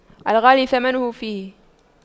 الغالي ثمنه فيه